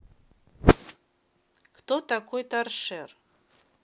кто такой торшер